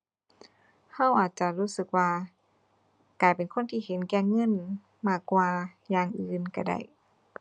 เราอาจจะรู้สึกว่า กลายเป็นคนที่เห็นแก่เงินมากกว่าอย่างอื่นเราได้